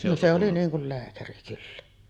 no se oli niin kuin lääkäri kyllä